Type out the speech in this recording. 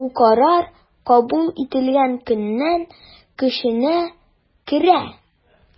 Бу карар кабул ителгән көннән көченә керә.